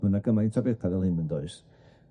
Ma' 'na gymaint o betha fel hyn yn does?